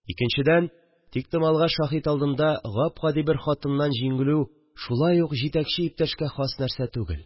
Икенчедән, тиктомалга шаһит алдында гап-гади бер хатыннан җиңелү шулай ук җитәкче иптәшкә хас нәрсә түгел